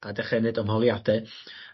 a dechre neud ymholiade